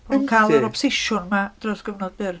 Dwi'n cael yr obsesiwn 'ma dros gyfnod byr.